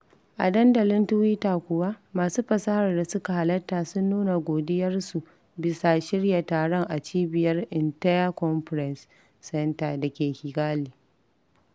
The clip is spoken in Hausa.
A dandalin Tiwata kuwa, masu fasahar da suka halatta sun nuna godiyarsu bisa shirya taron a cibiyar 'Intare conference center' da ke Kigali.